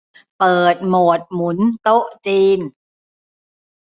เปิดโหมดหมุนโต๊ะจีน